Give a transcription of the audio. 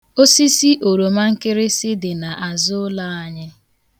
Osisi oromankịrịsị dị n'azụ ụlọ anyị.